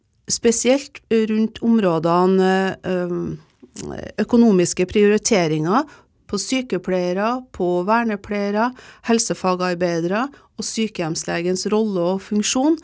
spesielt rundt områdene økonomiske prioriteringer, på sykepleiere, på vernepleiere, helsefagarbeidere og sykehjemslegens rolle og funksjon.